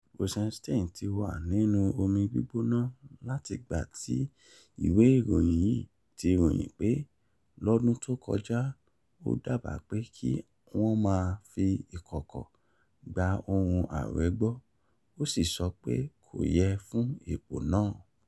Rosenstein ti wà nínú omi gbígbóná látìgbà tí ìwé ìròyìn yìí ti ròyìn pé, lọ́dún tó kọjá, ó dábàá pé kí wọ́n máa fi ìkọ̀kọ̀ gba ohùn ààrẹ gbọ́, ó sì sọ pé kò yẹ fún ipò náà.